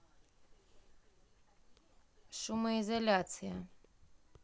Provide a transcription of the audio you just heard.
шумоизоляция